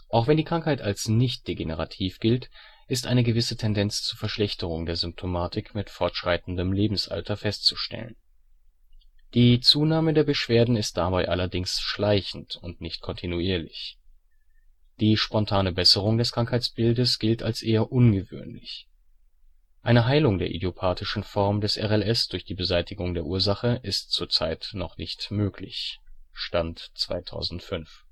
Auch wenn die Krankheit als nicht degenerativ gilt, ist eine gewisse Tendenz zur Verschlechterung der Symptomatik mit fortschreitendem Lebensalter festzustellen. Die Zunahme der Beschwerden ist dabei allerdings schleichend und nicht kontinuierlich. Die spontane Besserung des Krankheitsbildes gilt als eher ungewöhnlich. Eine Heilung der idiopathischen Form des RLS durch die Beseitigung der Ursache ist zurzeit noch nicht möglich (Stand: 2005